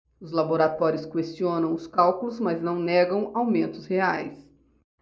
os laboratórios questionam os cálculos mas não negam aumentos reais